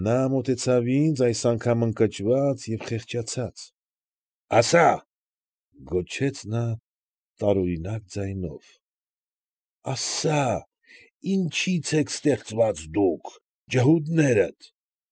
Նա մոտեցավ ինձ, այս անգամ ընկճված և խեղճացած։ ֊ Ասա՛,֊ գոչեց նա տարօրինակ ձայնով,֊ ասա՛, ինչի՞ց եք ստեղծված դուք, ջհուդներդ։